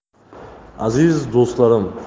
aziz do'stlarim